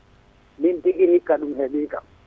min tigui hikka ɗum heeɓi kam